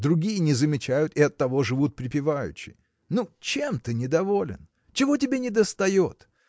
другие не замечают и оттого живут припеваючи. Ну чем ты недоволен? чего тебе недостает?